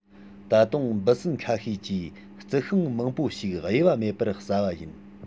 ད དུང འབུ སྲིན ཁ ཤས ཀྱིས རྩི ཤིང མང པོ ཞིག དབྱེ བ མེད པར ཟ བ ཡིན